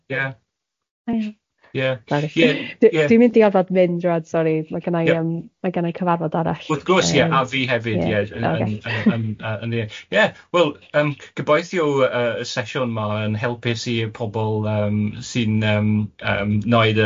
Ie... Ia dwi'n mynd i orfod mynd rŵan sori ma' gynna i yym ma' gynna i cyfarfod arall... Wrth gwrs ia a fi hefyd ia ia wel yym gobaithio yy y sesiwn ma yn helpus i y pobl yym sy'n yym yym wneud y